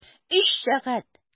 Өч сәгать!